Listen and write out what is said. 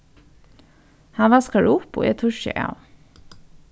hann vaskar upp og eg turki av